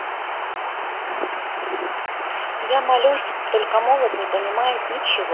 я молюсь только молот не понимает ничего